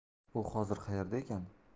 u hozir qayerda ekan